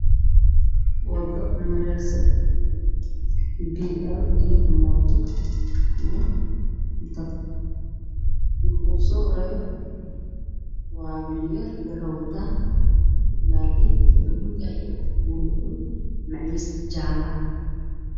Waa wado waxaa marayo gaari cadaan mooto